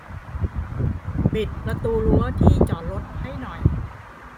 ปิดประตูรั้วที่จอดรถให้หน่อย